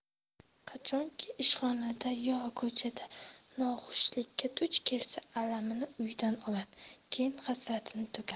qachonki ishxonada yo ko'chada noxushlikka duch kelsa alamini uydan oladi keyin hasratini to'kadi